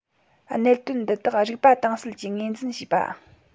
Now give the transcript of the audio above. གནད དོན འདི དག རིག པ དྭངས གསལ གྱིས ངོས འཛིན བྱས པ